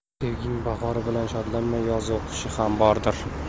sevgining bahori bilan shodlanma yoz u qishi ham bordir